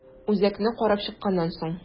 Үзәкне карап чыкканнан соң.